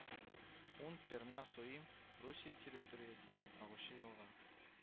Ун-Перна-Соим Русия территориясеннән агучы елга